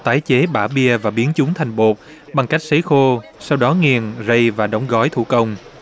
tái chế bã bia và biến chúng thành bột bằng cách sấy khô sau đó nghiền rây và đóng gói thủ công